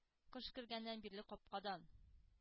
Кыш кергәннән бирле капкадан,